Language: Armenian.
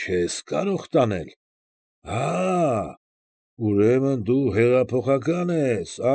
Չե՞ս կարող տանել։ Ախ, ուրեմն դու հեղափոխական ես։